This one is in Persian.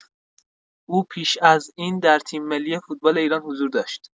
او پیش از این در تیم‌ملی فوتبال ایران حضور داشت.